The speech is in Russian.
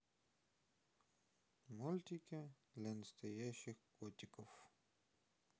мультики для настоящих котиков